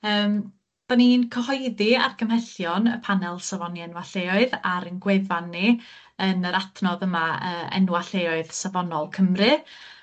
yym 'dan ni'n cyhoeddi argymhellion y panel safoni enwa' lleoedd ar 'yn gwefan ni yn yr adnodd yma yy enwa' lleoedd safonol Cymru